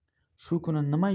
shu kuni nima